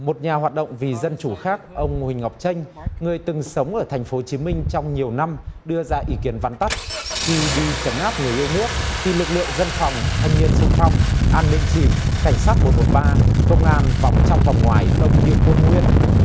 một nhà hoạt động vì dân chủ khác ông huỳnh ngọc chênh người từng sống ở thành phố chí minh trong nhiều năm đưa ra ý kiến vắn tắt khi đi trấn áp người yêu nước thì lực lượng dân phòng thanh niên xung phong an ninh chìm cảnh sát một một ba công an vòng trong vòng ngoài đông như quân nguyên